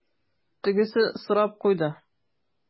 Тегесе сорап куйды: